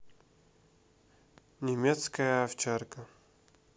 немецкая овчарка